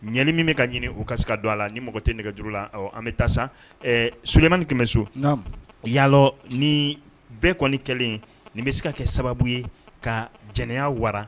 Ɲɛni min bi ka ɲini o ka se ka don a la. Ni mɔgɔ tɛ nɛgɛ juru la an bɛ taa sa . Solomani Kɛmɛso namun ya dɔn nin bɛɛ kɔni kɛlen nin bɛ se ka kɛ sababu ye ka jɛnɛya wara